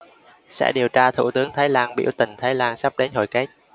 sẽ điều tra thủ tướng thái lan biểu tình thái lan sắp đến hồi kết